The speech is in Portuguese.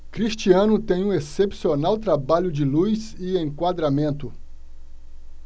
cristiano tem um excepcional trabalho de luz e enquadramento